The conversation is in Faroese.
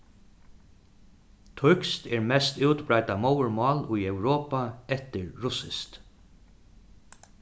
týskt er mest útbreidda móðurmál í europa eftir russiskt